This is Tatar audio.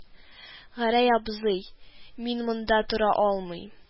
– гәрәй абзый, мин монда тора алмыйм